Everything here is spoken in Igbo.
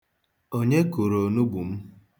Onye kụrụ onugbu m?